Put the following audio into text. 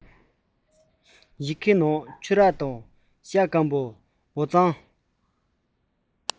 ཡི གེའི ནང ཕྱུར ར དང ཤ སྐམ ལྕུག འོ རྩམ